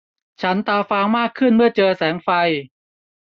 ฉันตาฟางมากขึ้นเมื่อเจอแสงไฟ